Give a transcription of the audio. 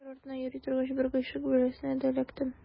Җыр артыннан йөри торгач, бер гыйшык бәласенә дә эләктем.